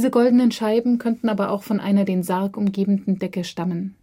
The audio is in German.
goldenen Scheiben könnten aber auch von einer den Sarg umgebenen Decke stammen